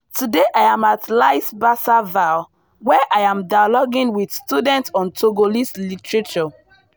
Today I'm at lycée Bassar Ville where I'm dialoguing with students on Togolese literature.